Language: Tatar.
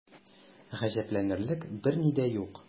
Гаҗәпләнерлек берни дә юк.